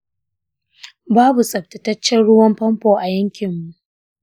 babu tsaftataccen ruwan famfo a yankinmu.